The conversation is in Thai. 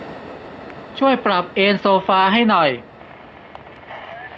ช่วยปรับเอนโซฟาให้หน่อย